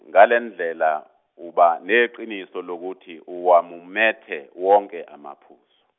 ngalendlela uba neqiniso lokuthi uwamumethe wonke amaphuzu.